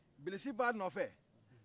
bilisi b'a nɔfɛ